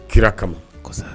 Kira kama